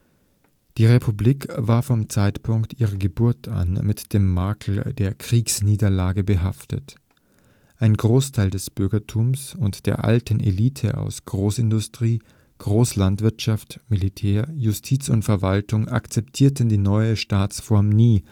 Die Republik war vom Zeitpunkt ihrer Geburt an mit dem Makel der Kriegsniederlage behaftet. Ein Großteil des Bürgertums und der alten Eliten aus Großindustrie, Großlandwirtschaft, Militär, Justiz und Verwaltung akzeptierten die neue Staatsform nie